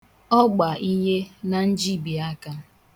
Ọ gba ihe n' njibiaka.